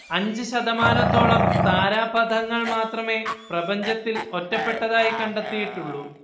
അഞ്ച് ശതമാനത്തോളം താരാപഥങ്ങൾ മാത്രമേ പ്രപഞ്ചത്തിൽ ഒറ്റപ്പെട്ടതായി കണ്ടെത്തിയിട്ടുള്ളൂ